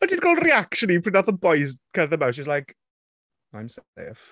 Oedd ti 'di gweld reaction hi pryd wnaeth y bois cerdded mewn? She was like "I'm safe."